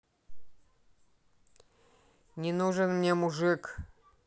не нужен мне мужик